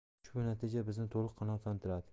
ushbu natija bizni to'liq qanoatlantiradi